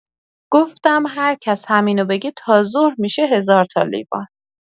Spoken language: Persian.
گفتم: «هرکس همینو بگه، تا ظهر می‌شه هزار تا لیوان.»